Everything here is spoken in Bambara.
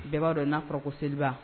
Bɛɛ b'a dɔn n'a fɔra ko seliba